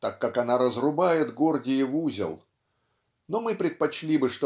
так как она разрубает гордиев узел но мы предпочли бы